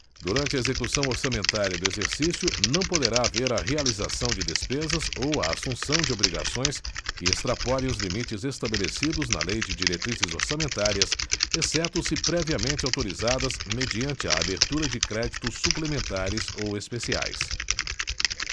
durante a execução orçamentária do exercício não poderá haver a realização de despesas ou a assunção de obrigações que extrapolem os limites estabelecidos na lei de diretrizes orçamentárias exceto se previamente autorizadas mediante a abertura de créditos suplementares ou especiais